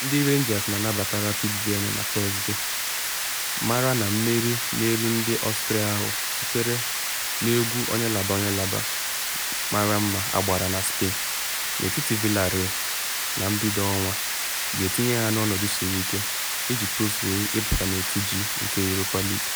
Ndị Rangers na anabata Rapid Vienna na Tọsde, mara na mmeri n’elu ndị Austria ahụ, sotere egwu onye laba onye laba mara mma agbara na Spain n’etiti Villareal na mbido ọnwa a, ga-etinye ha n’ọnọdụ siri ike iji tozue pụta na Otu G nke Europa League.